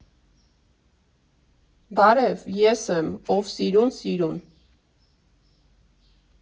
Բարև, ես եմ՝ ով սիրո՜ւն սիրո՜ւն։